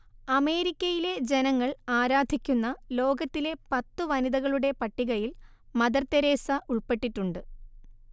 അമേരിക്കയിലെ ജനങ്ങൾ ആരാധിക്കുന്ന ലോകത്തിലെ പത്തു വനിതകളുടെ പട്ടികയിൽ മദർ തെരേസ ഉൾപ്പെട്ടിട്ടുണ്ട്